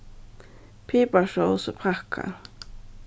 piparsós í pakka